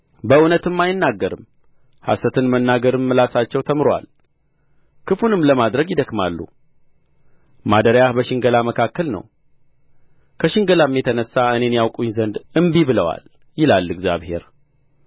በእውነትም አይናገርም ሐሰትን መናገርንም ምላሳቸው ተምሮአል ክፉንም ለማድረግ ይደክማሉ ማደሪያህ በሽንገላ መካከል ነው ከሽንገላም የተነሣ እኔን ያውቁኝ ዘንድ እንቢ ብለዋል ይላል እግዚአብሔር